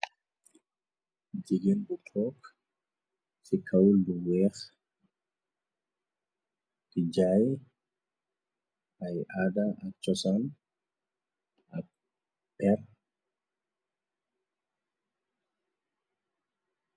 Jigéen bu toog ci kaw lu weex, di jaay ay aada ak cosaan ak per.